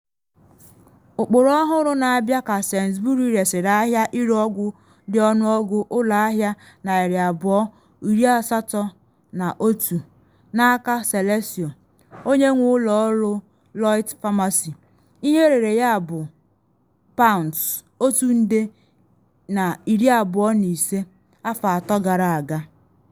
Ụkpụrụ ọhụrụ na abịa ka Sainsbury resịrị ahịa ịre ọgwụ dị ọnụọgụ ụlọ ahịa 281 n’aka Celesio, onye nwe ụlọ ọrụ Lloyds Pharmacy, ihe erere ya bụ £125m, afọ atọ gara aga.